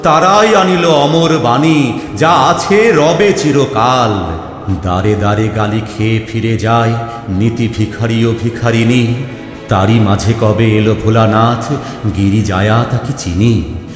তারাই আনিল অমর বাণী যা আছে রবে চিরকাল দ্বারে গালি খেয়ে ফিরে যায় নিতি ভিখারী ও ভিখারিনী তারি মাঝে কবে এলো ভোলা নাথ গিরিজায়া তা কি চিনি